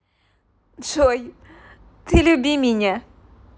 джой ты люби меня